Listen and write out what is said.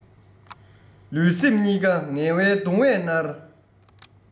ལུས སེམས གཉིས ཀ ངལ བའི གདུང བས མནར